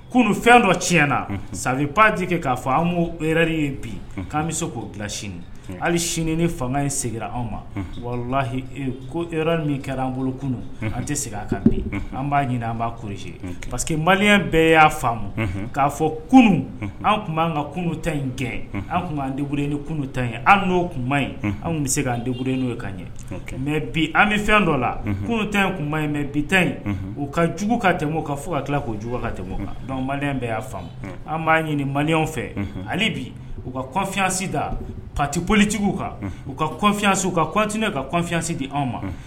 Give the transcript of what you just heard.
Kununu fɛn dɔ ti na sa pajɛ kɛ k'a fɔ an b'ori ye bi k'an bɛ se k'o dilan sini hali siniinin ni fanga in sigira anw ma walahi ko min kɛra an bolo kununu an tɛ segin kan an b'a ɲini an b'a kurusise parce que maliyɛn bɛɛ y'a faamu k'a fɔ kunun an tun b'an ka kunu ta in gɛn an tun'anur ni kun ta in an n'o kuma in anw bɛ se ka'anur n' ye kan ɲɛ mɛ bi an bɛ fɛn dɔ la kuntan kunye mɛ bi in u ka jugu ka tɛmɛ o kan fo ka tila k'ojugu ka tɛmɛ o kan dɔnku mali bɛ y'a faamu an b'a ɲini maliyan fɛ hali bi u kaffiyasi da patiolitigiw kan u kafyasiw u kat'u kafsi di anw ma